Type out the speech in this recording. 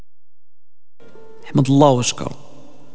احمد الله واشكره